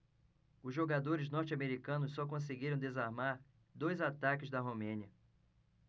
os jogadores norte-americanos só conseguiram desarmar dois ataques da romênia